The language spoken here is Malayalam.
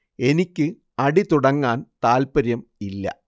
എനിക്ക് അടി തുടങ്ങാൻ താല്പര്യം ഇല്ല